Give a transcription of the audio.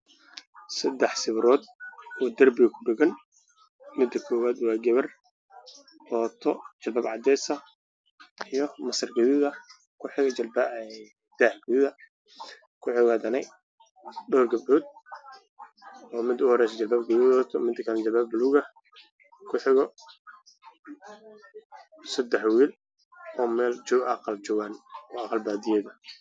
Waa sadex sawirood oo darbi ku dhagan